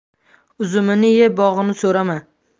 uzumini ye bog'ini so'rama